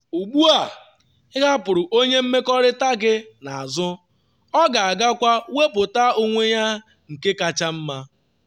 Ugbu a, ịhapụrụ onye mmekọrịta gị n’azụ ọ ga-agakwa wepụta onwe ya nke kacha mma.”